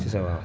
si sa waaw